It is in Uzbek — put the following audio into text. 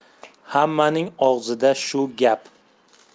hammaning og'zida shu gap